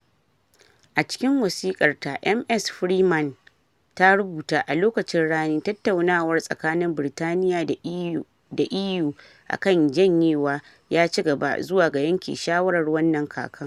A cikin wasikar ta, Ms Freeman ta rubuta: "A lokacin rani, tattaunawar tsakanin Birtaniya da EU a kan janyewa ya ci gaba, zuwa ga yanke shawarar wannan kakan.